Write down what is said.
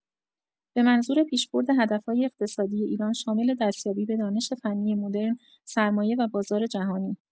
به منظور پیشبرد هدف‌های اقتصادی ایران، شامل دستیابی به دانش فنی مدرن، سرمایه و بازار جهانی